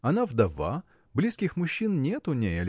Она вдова, близких мужчин нет у ней